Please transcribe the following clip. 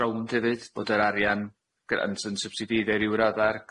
rownd 'efyd bod yr arian gy- yn syn- sybsidiedig ryw radda'r